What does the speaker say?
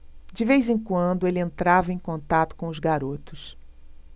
de vez em quando ele entrava em contato com os garotos